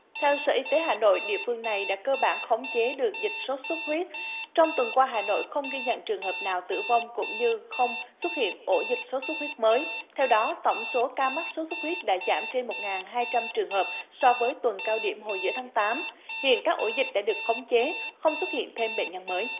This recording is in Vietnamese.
theo sở y tế hà nội địa phương này đã cơ bản khống chế được dịch sốt xuất huyết trong tuần qua hà nội không ghi nhận trường hợp nào tử vong cũng như không xuất hiện ổ dịch sốt xuất huyết mới theo đó tổng số ca mắc sốt xuất huyết đã giảm trên một ngàn hai trăm trường hợp so với tuần cao điểm hồi giữa tháng tám hiện các ổ dịch đã được khống chế không xuất hiện thêm bệnh nhân mới